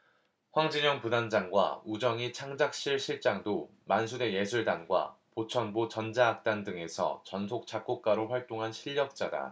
황진영 부단장과 우정희창작실 실장도 만수대 예술단과 보천보전자악단 등에서 전속 작곡가로 활동한 실력자다